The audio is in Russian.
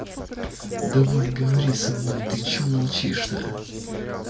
давай говори со мной ты че молчишь то